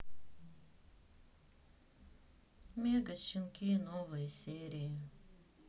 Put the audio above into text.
мегащенки новые серии